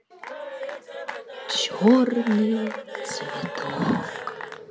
черный цветок